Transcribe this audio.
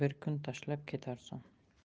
bir kun tashlab ketarsan